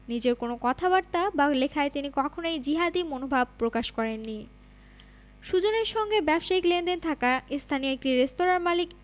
নিজের কোনো কথাবার্তা বা লেখায় তিনি কখনোই জিহাদি মনোভাব প্রকাশ করেননি সুজনের সঙ্গে ব্যবসায়িক লেনদেন থাকা স্থানীয় একটি রেস্তোরাঁর মালিক